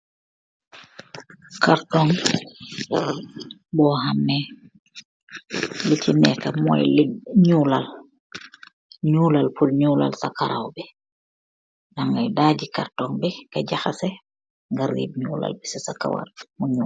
Karton bor hamneh li chi neka moi li njulal, njulal pur njulal sa karaw bii, dangai daaaji karton bi nga jahaseh nga ribb njulal b c sa karaw bii mu njul.